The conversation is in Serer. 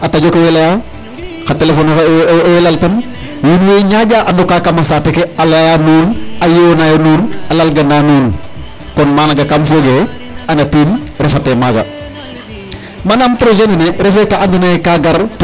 Parce que a tajo ke way layaa, xa téléphone axe owey laltan, wiin we ñaƴaa ,a ndokaa kam a saate ke a layaa nuun, a yoonanaa nuun, a lalgana nuun. Kon maaga kaam foog e andatim refatee maaga manaam projet nene refatee ka andoona yee ka gar pour a jangniid a nuun .